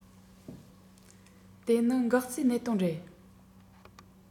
དེ ནི འགག རྩའི གནད དོན རེད